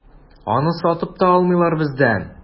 Аны сатып та алмыйлар бездән.